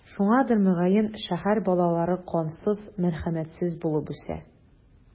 Шуңадыр, мөгаен, шәһәр балалары кансыз, мәрхәмәтсез булып үсә.